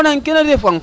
o xann kena ref kang